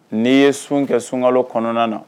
N'i ye sun kɛ suŋalo kɔnɔna na